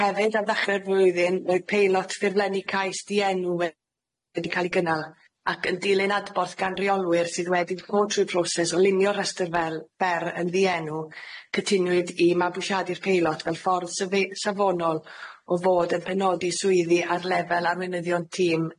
Hefyd ar ddechre'r flwyddyn roedd peilot ffurflenni cais dienw wedi ca'l ei gynnal ac yn dilyn adborth gan reolwyr sydd wedi bod trwy'r proses o linio rhestr fel- fer yn ddienw cytuniwyd i mabwyshiadu'r peilot fel ffordd syf- safonol o fod yn penodi swyddi ar lefel arweinyddion tîm,